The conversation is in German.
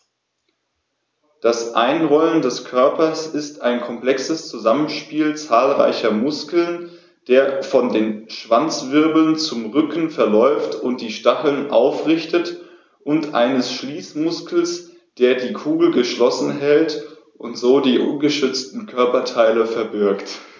Das Einrollen des Körpers ist ein komplexes Zusammenspiel zahlreicher Muskeln, der von den Schwanzwirbeln zum Rücken verläuft und die Stacheln aufrichtet, und eines Schließmuskels, der die Kugel geschlossen hält und so die ungeschützten Körperteile verbirgt.